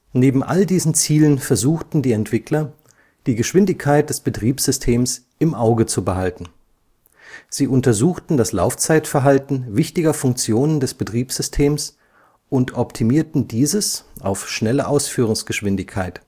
Neben all diesen Zielen versuchten die Entwickler, die Geschwindigkeit des Betriebssystems im Auge zu behalten. Sie untersuchten das Laufzeitverhalten wichtiger Funktionen des Betriebssystems und optimierten dieses auf schnelle Ausführungsgeschwindigkeit